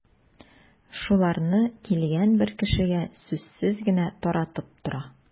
Шуларны килгән бер кешегә сүзсез генә таратып тора.